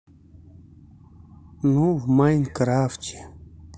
ну в майнкрафте